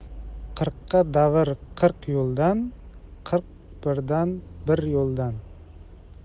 qirqqa davr qirq yo'ldan qirq birdan bir yo'ldan